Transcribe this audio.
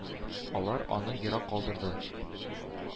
Алар аны ерак калдырды.